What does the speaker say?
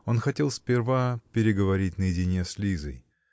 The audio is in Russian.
он хотел сперва переговорить наедине с Лизой.